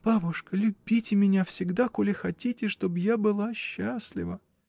— Бабушка, любите меня всегда, коли хотите, чтоб я была счастлива.